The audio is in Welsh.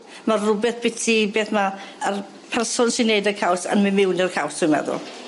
Ma' rwbeth biti beth ma' yr person sy'n neud y caws yn myn' miwn i'r caws dwi'n meddwl.